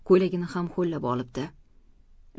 ko'ylagini ham ho'llab olibdi